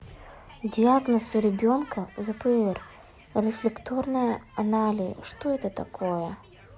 диагноз у ребенка зпр рефлекторная алалии что это такое